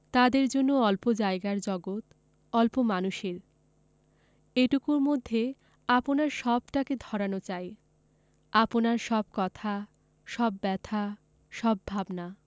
তাদের জন্য অল্প জায়গার জগত অল্প মানুষের এটুকুর মধ্যে আপনার সবটাকে ধরানো চাই আপনার সব কথা সব ব্যাথা সব ভাবনা